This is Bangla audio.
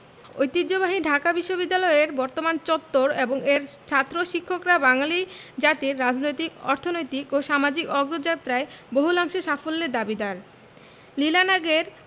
ঐতিহ্যবাহী ঢাকা বিশ্ববিদ্যালয়ের বর্তমান চত্বর এবং এর ছাত্র শিক্ষকরা বাঙালি জাতির রাজনৈতিক অর্থনৈতিক ও সামাজিক অগ্রযাত্রায় বহুলাংশে সাফল্যের দাবিদার লীলা নাগের